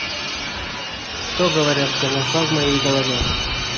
что говорят голоса в моей голове